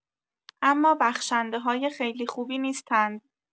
اما بخشنده‌های خیلی خوبی نیستند